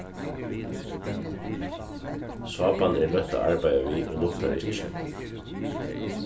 sápan er løtt at arbeiða við og luktar ikki